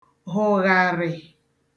hụ̀gharị